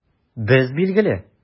Без, билгеле!